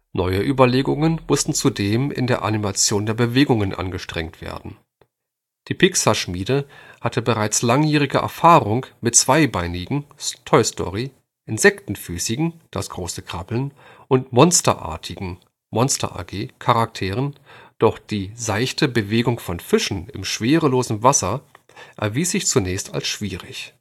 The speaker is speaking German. Neue Überlegungen mussten zudem in der Animation der Bewegungen angestrengt werden. Die Pixar-Schmiede hatte bereits langjährige Erfahrung mit zweibeinigen (Toy Story), insektenfüßigen (Das große Krabbeln) und monsterartigen (Monster AG) Charakteren, doch die seichte Bewegung von Fischen im schwerelosen Wasser erwies sich zunächst als schwierig